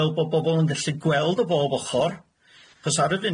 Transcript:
fel bo bobol yn gallu gweld o bob ochor, chos ar y funud